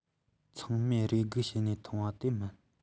ཚང མས རེ སྒུག བྱེད ནས མཐོང པ དེ མིན